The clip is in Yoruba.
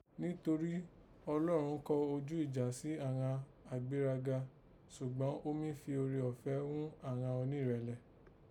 Nítorí Ọlọ́run kọ ojú ìjà sí àghan agbéraga, ṣùgbán ó mí fi ore ọ̀fẹ́ ghún àghan onírẹ̀lẹ̀